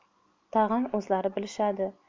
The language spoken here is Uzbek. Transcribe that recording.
tag'in o'zlari bilishadi